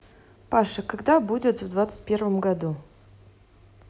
паша когда будет в двадцать первом году